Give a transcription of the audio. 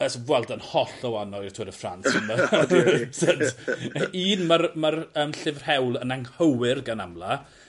y s- Vuelta yn hollol wahanol i'r Tour de France un ma'r ma'r yym llyfr hewl yn anghywir gan amla